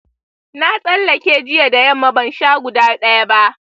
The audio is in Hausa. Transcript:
na tsallake jiya da yamma bansha guda daya ba.